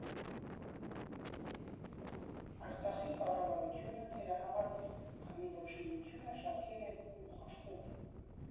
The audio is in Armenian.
Արցախի կառավարությունը թերահավատ էր, քանի որ շինությունը շատ հին էր ու խարխուլ։